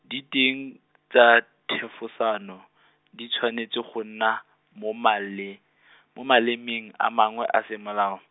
diteng, tsa thefosano, di tshwanetse go nna, mo male- , mo malemeng a mangwe a semolao.